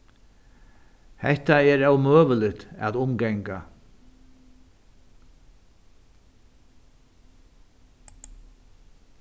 hetta er ómøguligt at umganga